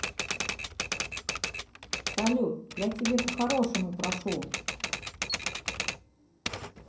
салют я тебе по хорошему прошу